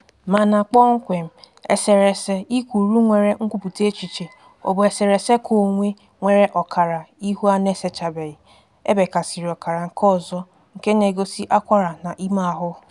Mana kpọmkwem, eserese ị kwuru nwere nkwupụta echiche: ọ bụ eserese keonwe nwere ọkara ihu a na-esechaghị, ebekasiri ọkara nke ọzọ, nke na-egosi akwara na ime ahụ.